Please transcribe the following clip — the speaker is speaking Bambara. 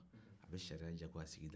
a bɛ sariya jagoya sigi e kan